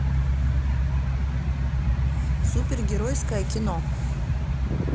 супергеройское кино